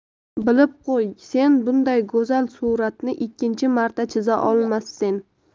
bilib qo'y sen bunday go'zal suratni ikkinchi marta chiza olmassen